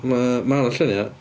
Wel mae 'na lluniau?